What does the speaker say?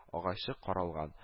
Агачы каралган